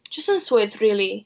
Jyst yn swydd rili.